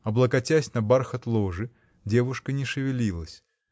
Облокотясь на бархат ложи, девушка не шевелилась